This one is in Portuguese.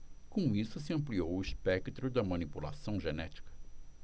com isso se ampliou o espectro da manipulação genética